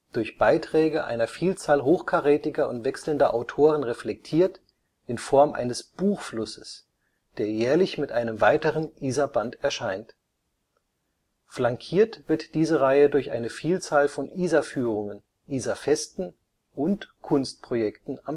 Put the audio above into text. durch Beiträge einer Vielzahl hochkarätiger und wechselnder Autoren reflektiert, in Form eines Buchflusses, der jährlich mit einem weiteren Isarband erscheint. Flankiert wird diese Reihe durch eine Vielzahl von Isarführungen, Isarfesten und Kunstprojekten